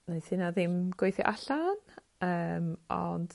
naeth hyna ddim gweithio allan yym ond